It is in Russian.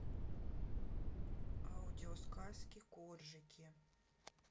аудиосказки коржики